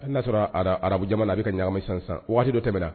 N'a sɔrɔ arabu jamana na a bɛ ka ɲagami sisan sisan wagati dɔ tɛmɛna